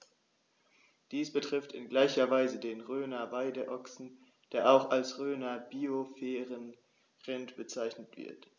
Dies betrifft in gleicher Weise den Rhöner Weideochsen, der auch als Rhöner Biosphärenrind bezeichnet wird.